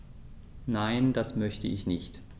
Nein, das möchte ich nicht.